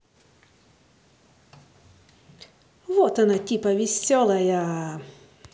вот она типа веселая